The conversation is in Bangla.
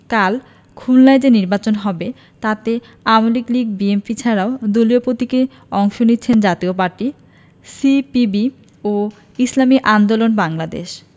কাল খুলনায় যে নির্বাচন হবে তাতে আওয়ামী লীগ বিএনপি ছাড়াও দলীয় প্রতীকে অংশ নিচ্ছে জাতীয় পার্টি সিপিবি ও ইসলামী আন্দোলন বাংলাদেশ